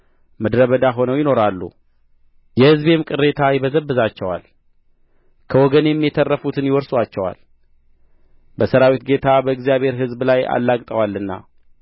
ምድረ በዳ ሆነው ይኖራሉ የሕዝቤም ቅሬታ ይበዘብዛቸዋል ከወገኔም የተረፉት ይወርሱአቸዋል በሠራዊት ጌታ በእግዚአብሔር ሕዝብ ላይ አላግጠዋልና